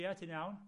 Ie, ti'n iawn?